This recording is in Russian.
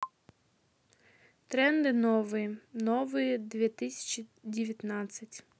тренды новые новые две тысячи девятнадцать